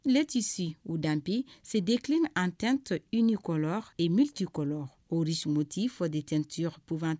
Le tissu ou danpe se décline en teinte unicolore et multicolore motif de teinture pouvant